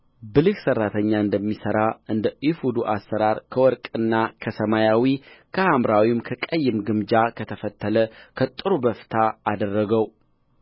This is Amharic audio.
ብልህ ሠራተኛ እንደሚሠራ እንደ ኤፉዱ አሠራር ከወርቅና ከሰማያዊ ከሐምራዊም ከቀይም ግምጃ ከተፈተለም ከጥሩ በፍታ አደረገው